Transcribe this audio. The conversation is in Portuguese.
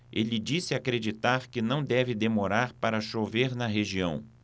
ele disse acreditar que não deve demorar para chover na região